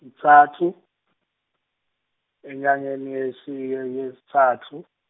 kutfatfu, enyangeni yesi ye- yesitfatfu.